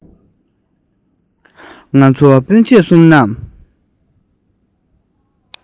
ང ཚོ སྤུན མཆེད གསུམ